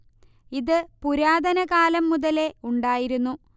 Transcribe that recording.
ഇത് പുരാതന കാലം മുതലേ ഉണ്ടായിരുന്നു